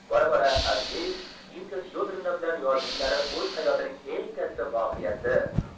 bora bora avdiy inga fyodorovna bilan yozishlari o'z hayotining eng katta voqeasi